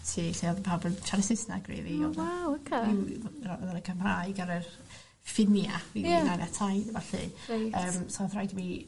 tŷ lle o'dd pawb yn siarad Saesneg rili o'dd na'm... O waw oce. ...ddim Cymraeg ar yr ffinia... Ia. .. ar y time a ballu ... Reit. ...yym so o'dd rhaid i mi